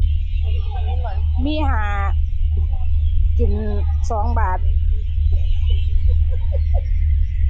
มีห้า กินสองบาท